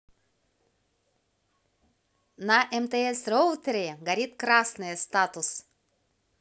на мтс роутере горит красная статус